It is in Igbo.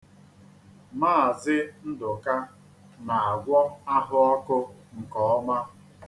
Maazi Nduka na-agwọ ahụọkụ nke ọma.